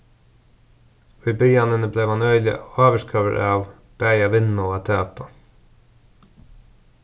í byrjanini bleiv hann øgiliga ávirkaður av bæði at vinna og at tapa